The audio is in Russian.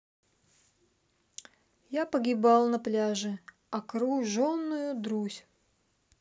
я погибал на пляже окруженную друзь